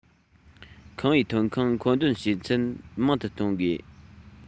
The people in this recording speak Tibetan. ཁང པའི ཐོན ཁུངས མཁོ འདོན བྱེད ཚད མང དུ གཏོང དགོས